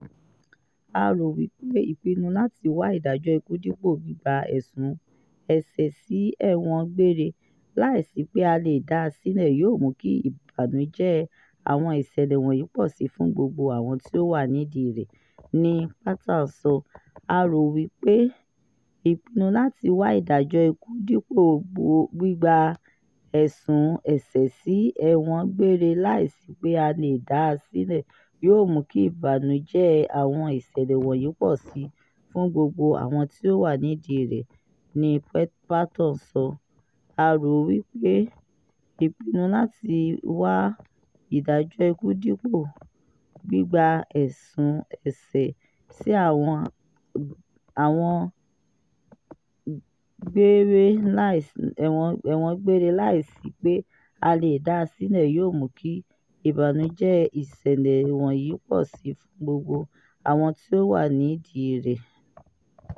A rò wí pé ìpinnu láti wá ìdájọ́ ikú dípò gbígba ẹ̀sùn ẹ̀ṣẹ̀ sí ẹ̀wọ̀n gbére láìsí pé a lè dá a sílẹ̀ yóò mú kí ìbànújẹ́ àwọn ìṣẹ̀lẹ̀ wọ̀nyí pọ̀ sí i fún gbogbo àwọn tí ó wà nídìí rẹ̀, ni Patton sọ.